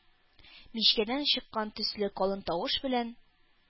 Мичкәдән чыккан төсле калын тавыш белән: